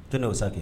To tɛ ne yeosa